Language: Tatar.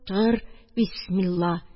Тор, бисмилла